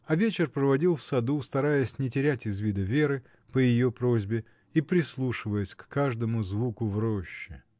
А вечер проводил в саду, стараясь не терять из вида Веры, по ее просьбе, и прислушиваясь к каждому звуку в роще.